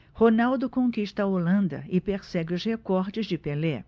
ronaldo conquista a holanda e persegue os recordes de pelé